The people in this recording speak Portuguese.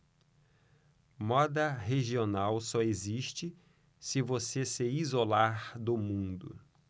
moda regional só existe se você se isolar do mundo